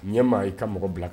N ɲɛ maa i ka mɔgɔ bila kɛ